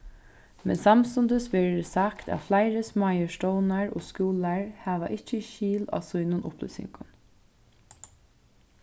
men samstundis verður sagt at fleiri smáir stovnar og skúlar hava ikki skil á sínum upplýsingum